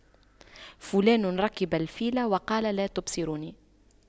فلان قد ركب الفيل وقال لا تبصروني